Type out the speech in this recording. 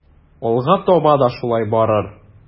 Алга таба да шулай барыр.